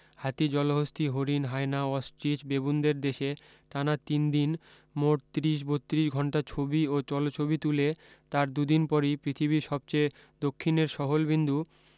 হাতি জলহস্তী হরিণ হায়না অসট্রিচ বেবুনদের দেশে টানা তিনদিন মোট ত্রিশ বত্রিশ ঘণ্টা ছবি ও জলছবি তুলে তার দুদিন পরি পৃথিবীর সবচেয়ে দক্ষিণের সহলবিন্দু